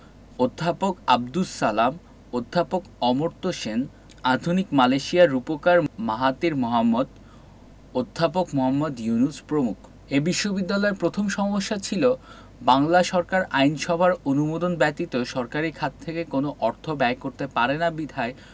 অধ্যাপক আবদুস সালাম অধ্যাপক অমর্ত্য সেন আধুনিক মালয়েশিয়ার রূপকার মাহাথির মোহাম্মদ অধ্যাপক মুহম্মদ ইউনুস প্রমুখ এ বিশ্ববিদ্যালয়ের প্রথম সমস্যা ছিল বাংলা সরকার আইনসভার অনুমোদন ব্যতীত সরকারি খাত থেকে কোন অর্থ ব্যয় করতে পারে না বিধায়